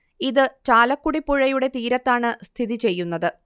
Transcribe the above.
ഇത് ചാലക്കുടി പുഴയുടെ തീരത്താണ് സ്ഥിതിചെയ്യുന്നത്